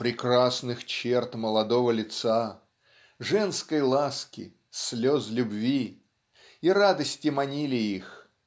"прекрасных черт молодого лица" женской ласки слез любви и радости манили их